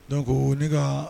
Don ko ne ka